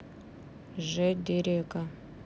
ж дерека